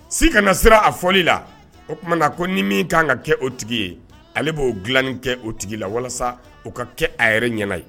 Si kana na sera a fɔli la o tumana ko ni min kan ka kɛ o tigi ye ale b'o dilanni kɛ o tigi la walasa u ka kɛ a yɛrɛ ɲɛnaana ye